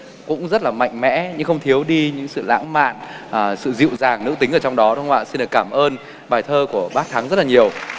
cũng rất là mạnh mẽ nhưng không thiếu đi những sự lãng mạn ờ sự dịu dàng nữ tính ở trong đó đúng không ạ xin được cảm ơn bài thơ của bác thắng rất là nhiều